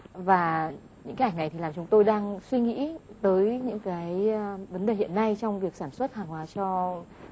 và những cái ảnh này thì làm chúng tôi đang suy nghĩ tới những cái vấn đề hiện nay trong việc sản xuất hàng hóa cho